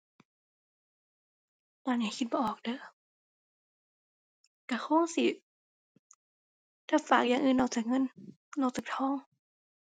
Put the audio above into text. ตอนนี้คิดบ่ออกเด้อ ก็คงสิ ถ้าฝากอย่างอื่นนอกจากเงิน นอกจากทอง